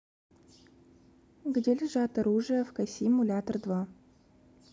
где лежат оружие в касиму лятор два